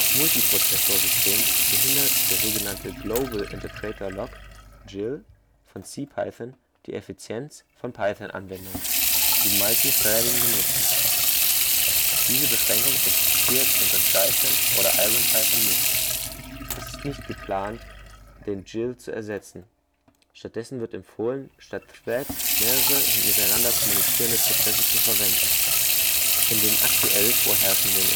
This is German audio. Multiprozessor-Systemen behindert der sogenannte Global Interpreter Lock (GIL) von CPython die Effizienz von Python-Anwendungen, die Multithreading benutzen. (Diese Beschränkung existiert unter Jython oder IronPython nicht.) Es ist nicht geplant, den GIL zu ersetzen. Stattdessen wird empfohlen, statt Threads mehrere miteinander kommunizierende Prozesse zu verwenden. In den aktuell vorherrschenden